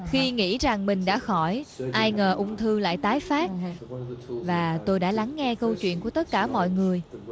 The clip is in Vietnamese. khi nghĩ rằng mình đã khỏi ai ngờ ung thư lại tái phát và tôi đã lắng nghe câu chuyện của tất cả mọi người